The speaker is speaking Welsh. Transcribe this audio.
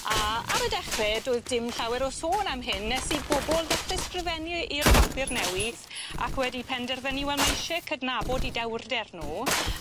A ar y dechre doedd dim llawer o sôn am hyn nes i bobol dechre sgrifennu i'r papur newidd ac wedi penderfynu wel ma' isie cydnabod 'u dewrder nw. Hmm.